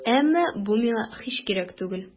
Әмма бу миңа һич кирәк түгел.